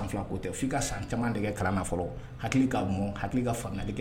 Tɛ' ka san caman tigɛ kalan fɔlɔ hakili ka mɔ hakili ka fangali kɛ